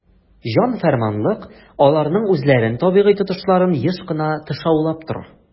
"җан-фәрманлык" аларның үзләрен табигый тотышларын еш кына тышаулап тора.